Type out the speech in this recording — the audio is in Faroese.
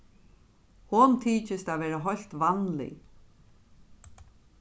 hon tykist at vera heilt vanlig